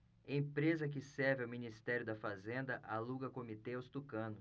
empresa que serve ao ministério da fazenda aluga comitê aos tucanos